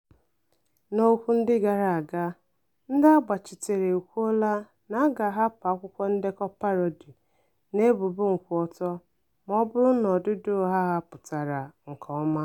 N'okwu ndị gara aga, ndị agbachitere ekwuola na a ga-ahapụ akwụkwọ ndekọ parody na ebubo nkwutọ ma ọ bụrụ na ọdịdị ụgha ha pụtara nke ọma.